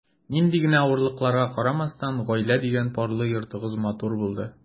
Нинди генә авырлыкларга карамастан, “гаилә” дигән парлы йортыгыз матур булды.